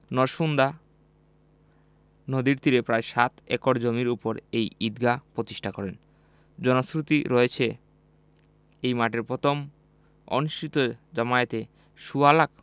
নরসুন্দা নদীর তীরে প্রায় সাত একর জমির ওপর এই ঈদগাহ প্রতিষ্ঠা করেন জনশ্রুতি রয়েছে এই মাঠে প্রথম অনুষ্ঠিত জামাতে সোয়া লাখ